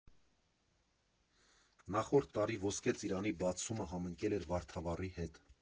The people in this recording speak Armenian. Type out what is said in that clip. Նախորդ տարի Ոսկե Ծիրանի բացումը համընկել էր Վարդավառի հետ։